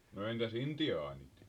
no entäs intiaanit